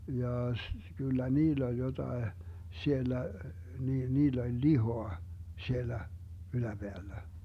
jaa - kyllä niillä oli jotakin siellä niillä oli lihaa siellä yläpäällä